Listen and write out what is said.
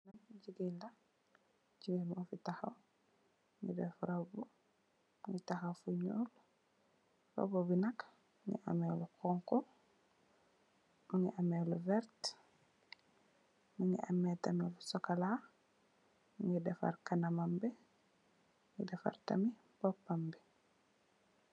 Gegeila gegei bu am tahawei mu nei tahawu fo jor bupanbi ak mu nei jorko mu amei werty mu amei tamit lu sokola mu nei dafar ganamabi mu nei dafar tamit bupanbi